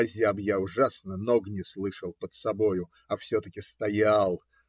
Озяб я ужасно, ног не слышал под собою, а все-таки стоял.